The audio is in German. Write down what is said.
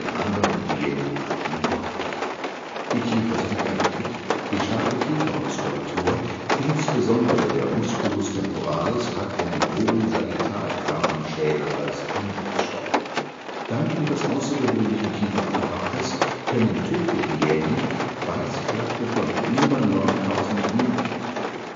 anderen Hyänenarten rundlich. Die Kiefer sind kräftig, die starke Kiefermuskulatur, insbesondere der Musculus temporalis hat einen hohen Sagittalkamm am Schädel als Ansatzstelle. Dank ihres außergewöhnlichen Kieferapparates können Tüpfelhyänen Beißkräfte von über 9000 Newton entwickeln